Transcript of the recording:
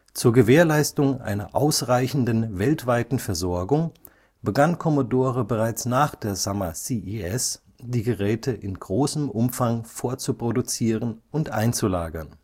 Zur Gewährleistung einer ausreichenden weltweiten Versorgung begann Commodore bereits nach der Summer CES die Geräte in großem Umfang vorzuproduzieren und einzulagern